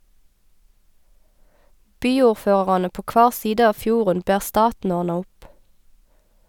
Byordførarane på kvar side av fjorden ber staten ordna opp.